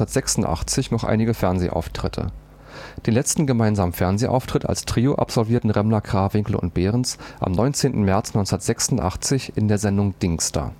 1986 noch einige Fernsehauftritte. Den letzten gemeinsamen Fernsehauftritt als Trio absolvierten Remmler, Krawinkel und Behrens am 19. März 1986 in der Sendung „ Dingsda